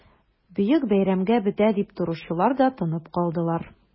Бөек бәйрәмгә бетә дип торучылар да тынып калдылар...